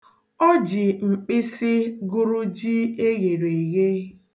O ji mkpịsị gụrụ ji eghere eghe.